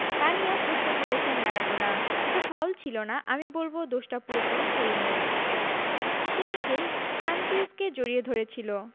তা নিয়েও প্রশ্ন তুলেছেন ম্যারাডোনা ওটা ফাউল ছিল না আমি বলব দোষটা পুরোপুরি কেইনের সে নিজেই সানচেজকে জড়িয়ে ধরেছিল